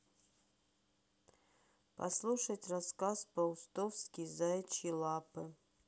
послушать рассказ паустовский заячьи лапы